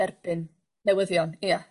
...derbyn newyddion ia.